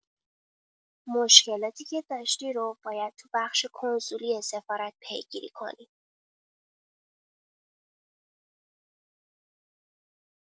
مشکلاتی که داشتی رو باید تو بخش کنسولی سفارت پیگیری کنی.